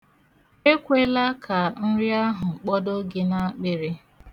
Ekwela ka nri ahụ kpọdo gị n'akpịrị.